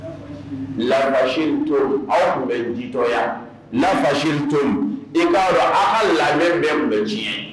Lariba aw tun bɛ jitɔyafato i k'a aw ka lamɛn bɛ tun bɛ ji